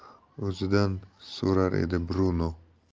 farq nimada deb o'zidan so'rar edi bruno